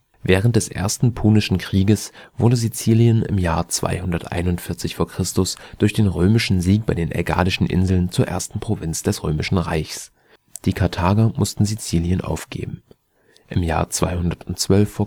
Während des Ersten Punischen Krieges wurde Sizilien im Jahr 241 v. Chr. durch den römischen Sieg bei den Ägadischen Inseln zur ersten Provinz des Römischen Reichs. Die Karthager mussten Sizilien aufgeben. Im Jahr 212